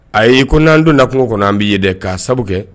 Ayi i ko n'an dun na kungo kɔnɔ an b bɛ ye dɛ k'a sababu kɛ